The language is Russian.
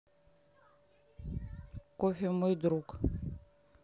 кофе мой друг